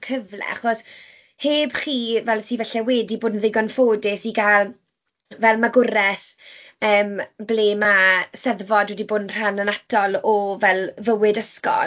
Jyst y ffaith bod y plant 'na wedi cael cyfle, achos heb chi fel sy falle wedi bod yn ddigon ffodus i gael fel magwraeth, yym, ble ma' Eisteddfod wedi bod yn rhan annatol o fel fywyd ysgol.